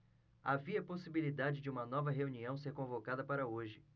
havia possibilidade de uma nova reunião ser convocada para hoje